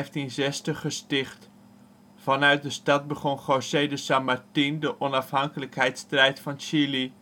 in 1560 gesticht. Vanuit de stad begon José de San Martín de onafhankelijkheidsstrijd van Chili